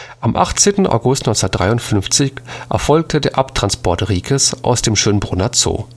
Am 18. August 1953 erfolgte der Abtransport Riekes aus dem Schönbrunner Zoo